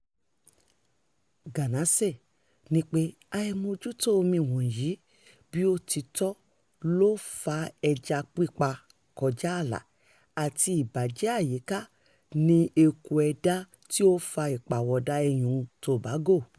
Ganase ní pé àìmójútò omi wọ̀nyí bí ó ti tọ́ ló fa ẹja pípa kọjá àlà àti ìbàjẹ́ àyíká ni eku ẹdá tí ó fa ìpàwọ̀dà iyùn-un Tobago.